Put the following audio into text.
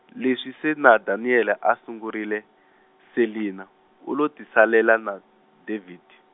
leswi se na Daniel a a sungurile, Selinah, u lo tisalela na David.